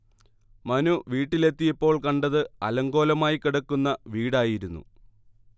മനു വീട്ടിലെത്തിയപ്പോൾ കണ്ടത് അലങ്കോലമായി കിടക്കുന്ന വീടായിരുന്നു